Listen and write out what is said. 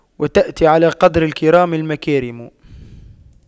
وتأتي على قدر الكرام المكارم